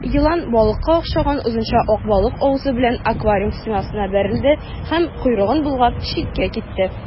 Елан балыкка охшаган озынча ак балык авызы белән аквариум стенасына бәрелде һәм, койрыгын болгап, читкә китте.